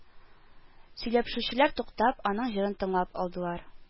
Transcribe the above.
Сөйләпшүчеләр, туктап, аның җырын тыңлап алдылар